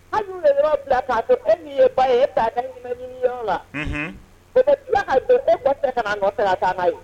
Hali bɛ fila k'a to e ye ba ye kayɔrɔ la to e ka fɛ taa ye